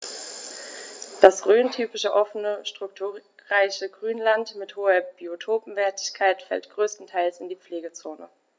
Das rhöntypische offene, strukturreiche Grünland mit hoher Biotopwertigkeit fällt größtenteils in die Pflegezone.